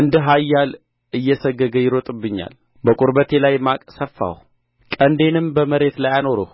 እንደ ኃያል እየሠገገ ይሮጥብኛል በቁርበቴ ላይ ማቅ ሰፋሁ ቀንዴንም በመሬት ላይ አኖርሁ